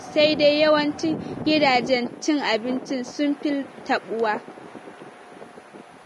sai dai yawancin gidajen cin abinci sun fi taɓuwa.